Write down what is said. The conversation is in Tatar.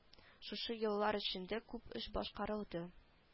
Шушы еллар эчендә күп эш башкарылды